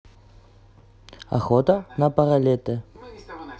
охота на паралете